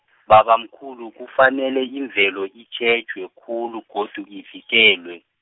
babamkhulu kufanele imvelo, itjhejwe khulu, godu ivikelwe.